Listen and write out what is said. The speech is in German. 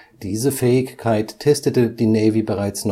Diese Fähigkeit testete die Navy bereits